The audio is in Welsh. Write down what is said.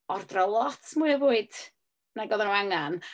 Ordro lot mwy o fwyd nag oedden nhw angen.